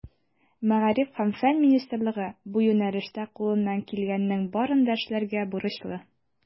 Мәгариф һәм фән министрлыгы бу юнәлештә кулыннан килгәннең барын да эшләргә бурычлы.